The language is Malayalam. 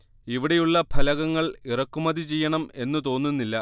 ഇവിടെ ഉള്ള ഫലകങ്ങൾ ഇറക്കുമതി ചെയ്യണം എന്നു തോന്നുന്നില്ല